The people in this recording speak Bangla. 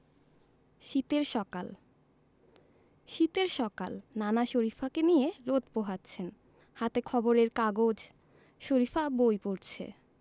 শীতের সকাল শীতের সকাল নানা শরিফাকে নিয়ে রোদ পোহাচ্ছেন হাতে খবরের কাগজ শরিফা বই পড়ছে